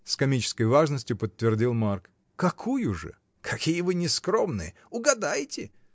— с комической важностью подтвердил Марк. — Какую же? — Какие вы нескромные! Угадайте!